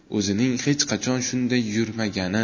o'zining hech qachon shunday yurmagani